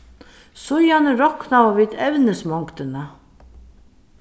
síðani roknaðu vit evnismongdina